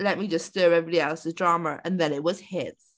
"Let me just stir everybody else's drama." And then it was his.